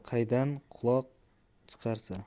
qaydan quloq chiqarsa